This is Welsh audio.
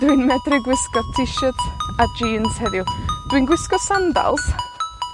Dwi'n medru gwisgo t shirt a jîns heddiw. Dwi'n gwisgo sandals.